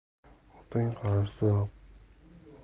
otang qarisa qui